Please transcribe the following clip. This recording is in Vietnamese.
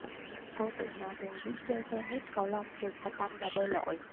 cô tự hào vì mình biết chơi tennis cầu lông trượt patin và bơi lội